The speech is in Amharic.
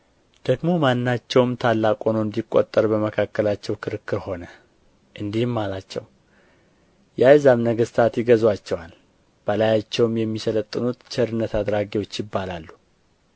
ደግሞም ማናቸውም ታላቅ ሆኖ እንዲቈጠር በመካከላቸው ክርክር ሆነ እንዲህም አላቸው የአሕዛብ ነገሥታት ይገዙአቸዋል በላያቸውም የሚሠለጥኑት ቸርነት አድራጊዎች ይባላሉ